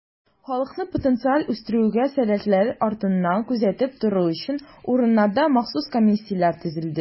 Халыкны потенциаль үстерүгә сәләтлеләр артыннан күзәтеп тору өчен, урыннарда махсус комиссияләр төзелде.